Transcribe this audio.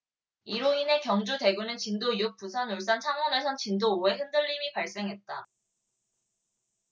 이로 인해 경주 대구는 진도 육 부산 울산 창원에선 진도 오 의 흔들림이 발생했다